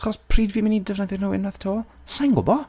Achos pryd fi'n mynd i defnyddio nhw unwaith 'to? Sa i'n gwbod?